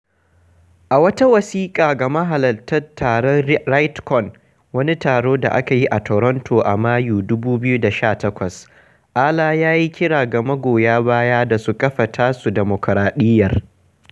A wata wasiƙa ga mahalarta taron Rightcon, wani taro da ake yi a Toronto a Mayu, 2018, Alaa ya yi kira ga magoya baya da su "kafa [tasu] dimukuraɗiyyar".